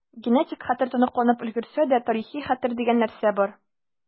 Генетик хәтер тоныкланып өлгерсә дә, тарихи хәтер дигән нәрсә бар.